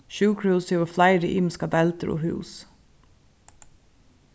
sjúkrahúsið hevur fleiri ymiskar deildir og hús